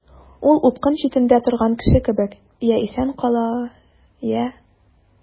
Ул упкын читендә торган кеше кебек— я исән кала, я...